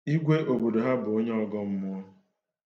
Igwe obodo ha bụ onye ọgọ mmụọ